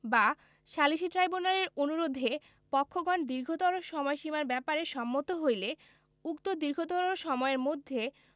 বা সালিসী ট্রাইব্যুনালের অনুরোধে পক্ষগণ দীর্ঘতর সময়সীমার ব্যাপারে সম্মত হইলে উক্ত দীর্ঘতর সময়ের মধ্যে